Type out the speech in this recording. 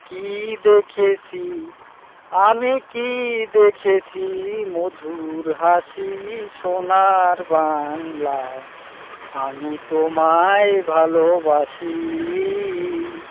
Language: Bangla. কী দেখসি আমি কী দেখেছি মধুর হাসি সোনার বাংলা আমি তোমায় ভালোবাসি